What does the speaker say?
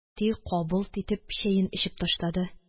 Әти кабылт итеп чәен эчеп ташлады.